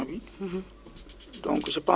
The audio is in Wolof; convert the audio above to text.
donc producteurs yi ñoom ñoo ko moom